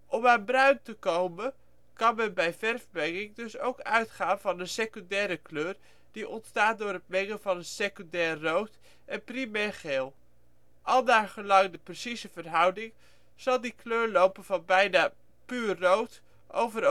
Om aan bruin te komen kan men bij verfmenging dus ook uitgaan van een secundaire kleur die ontstaat door het mengen van secundair rood en primair geel. Al naar gelang de precieze verhouding zal die kleur lopen van bijna puur rood over